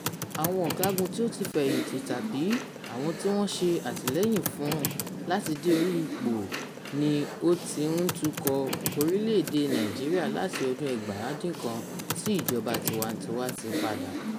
Àwọn ọ̀gágun tí ó ti fẹ̀yìntì tàbí àwọn tí wọn ṣe àtìlẹ́yìn fún-un láti dé orí ipò ni ó ti ń tukọ̀ orílẹ̀-èdè Nàìjíríà láti ọdún 1999 tí ìjọba tiwantiwa ti padà.